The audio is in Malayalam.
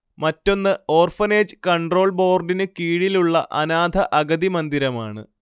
മറ്റൊന്ന് ഓർഫനേജ് കൺട്രോൾ ബോർഡിന് കീഴിലുള്ള അനാഥ അഗതി മന്ദിരമാണ്